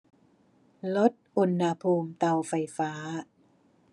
ลดอุณหภูมิเตาไฟฟ้า